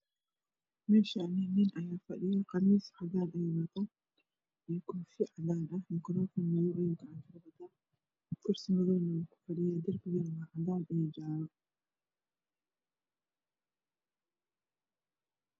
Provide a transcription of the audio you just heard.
Meeshaani nin ayaa fadhiyo qamiis cadaan kursi madow ayuu ku fadhiyaa darbigana waa cadaan iyo jaalo